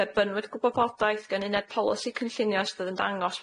Derbynwyd gwybodaeth gan uned polisi cynllunio sydd yn dangos